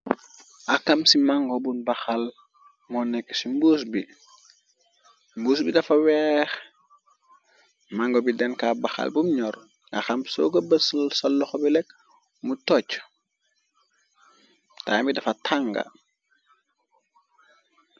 Akam ci mango bu baxal, moo nekk ci mbuus bi, mbuus bi dafa weex, mango bi denkab baxal bum ñor, naxam soo ko bësl saloxo bilekk mu tocc, tami dafa tanga.